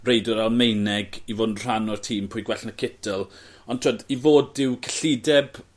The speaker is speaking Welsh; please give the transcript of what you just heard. reidwr Almaeneg i fo' yn rhan o'r tîm. Pwy gwell na Kittel ond t'wod i fod... Dyw cyllideb